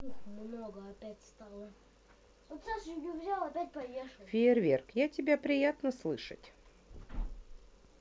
фейерверк и тебя приятно слышать